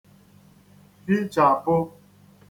hichàpụ